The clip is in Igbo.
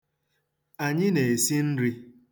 Anyị na-esi nri.